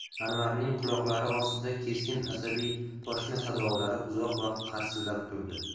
anvarning quloqlari ostida keskin asabiy poshna sadolari uzoq vaqt qarsillab turdi